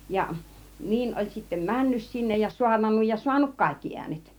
ja niin oli sitten mennyt sinne ja saarnannut ja saanut kaikki äänet